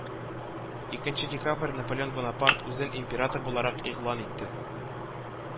Икенче декабрь наполеон бонапарт үзен император буларак игълан итте